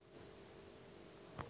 почему женщины убивают